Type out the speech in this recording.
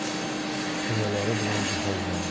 uskunalari bilan jihozlandi